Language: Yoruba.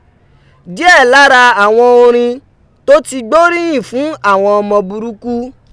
Díẹ̀ lára àwọn orin tó tí gbóríyìn fún àwọn ọmọ burúkú